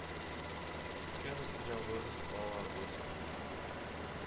Көткән үз дөньябыз, балаларыбыз